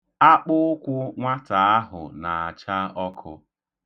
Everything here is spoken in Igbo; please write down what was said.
Akpụụkwụ nwata ahụ na-acha ọkụ.